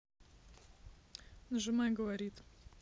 нажимай говорит